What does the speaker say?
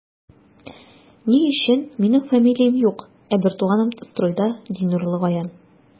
Ни өчен минем фамилиям юк, ә бертуганым стройда, ди Нурлыгаян.